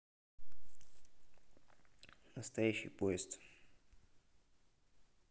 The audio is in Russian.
настоящий поезд